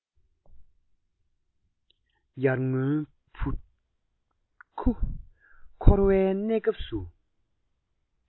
ཡར སྔོན ཕྲུ གུ འཁོར བའི གནས སྐབས སུ